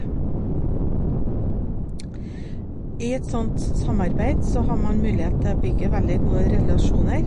I et sånt samarbeid så har man mulighet til å bygge veldig gode relasjoner.